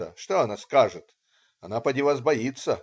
что она скажет, она поди вас боится.